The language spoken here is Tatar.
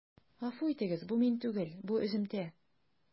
Гафу итегез, бу мин түгел, бу өземтә.